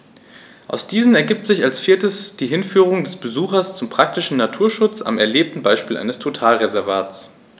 Aus diesen ergibt sich als viertes die Hinführung des Besuchers zum praktischen Naturschutz am erlebten Beispiel eines Totalreservats.